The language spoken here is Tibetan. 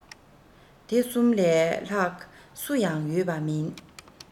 དེ གསུམ ལས ལྷག སུ ཡང ཡོད པ མིན